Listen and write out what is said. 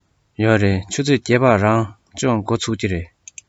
ཡོད རེད ཆུ ཚོད བརྒྱད པར རང སྦྱོང འགོ ཚུགས ཀྱི རེད